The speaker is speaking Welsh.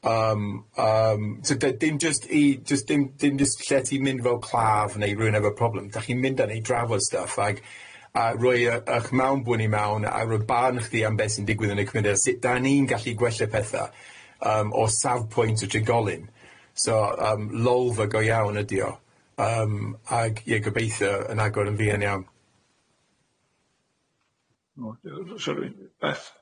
yym yym so de- dim jyst i jyst dim dim jyst lle ti'n mynd fel claf neu rywun efo problem, dach chi'n mynd yna i drafod stwff ag a roi yy ych mewnbwn i mewn a roi barn chdi am beth sy'n digwydd yn y cymuned a sut 'da ni'n gallu gwella petha yym o safpwynt y trigolyn, so yym lolfa go iawn ydi o yym ag ie gobeithio yn agor yn fuan iawn.